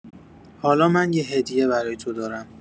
حالا من یه هدیه برای تو دارم.